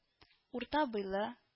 Урта буйлы